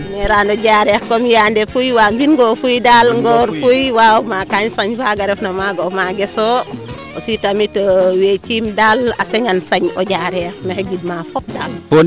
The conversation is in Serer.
newerano Diarekh comme Yande Pouye wa mbin Ngor Pouye daal waaw Makane Sagne faa refna maaga o mageso aussi tamit weec kiim daal a Sengane Sagne o Diarekh maxey gidma fop daal